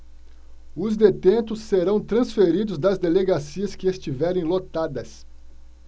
os detentos serão transferidos das delegacias que estiverem lotadas